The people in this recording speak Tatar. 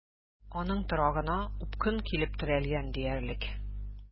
Аның торагына упкын килеп терәлгән диярлек.